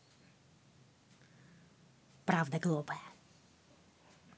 правда глупая